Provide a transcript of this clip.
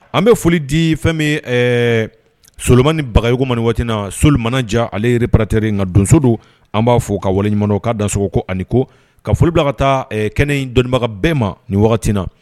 An bɛ foli di fɛn min ɛɛ Solomani Bagayogo ma nin waati in na Sul Manaja ale ye reparateur ye, nka donso don an b'a fɔ ka waleɲuman dɔn, ka dansɔkɔ, ko ani ko, ka foli bila ka taa kɛnɛ in dɔnnibaga bɛɛ ma nin waati in na